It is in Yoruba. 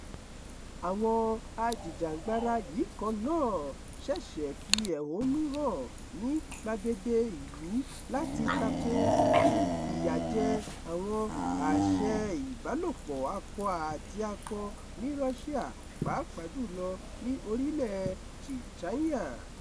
Àwọn ajìjàǹgbara yìí kan náà ṣẹ̀ṣẹ̀ fi ẹ̀hónú hàn ní gbàgede ìlú láti tako ìfìyàjẹ àwọn aṣe-ìbálòpọ̀-akọ-àti-akọ ní Russia, pàápàá jùlọ ní orílẹ̀ Chechnya.